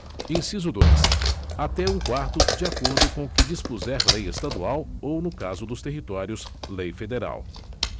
inciso dois até um quarto de acordo com o que dispuser lei estadual ou no caso dos territórios lei federal